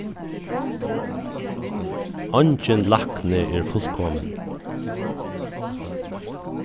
eingin lækni er fullkomin